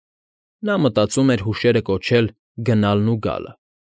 Նա մտածում էր կոչել «Գնալն ու գալը։